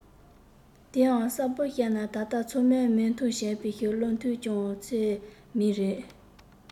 དེའང གསལ པོ བཤད ན ད ལྟ ཚང མས མོས མཐུན བྱས པའི བློ ཐུན ཅང ཙེ མིང རེད